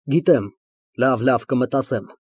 Գիտեմ։ Լավ, լավ կմտածեմ։